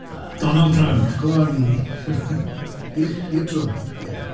A... Donald Trump?... Co ni, i i'r Trwmp, ie.